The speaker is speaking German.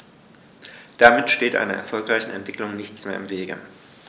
Damit steht einer erfolgreichen Entwicklung nichts mehr im Wege.